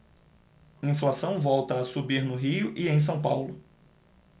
inflação volta a subir no rio e em são paulo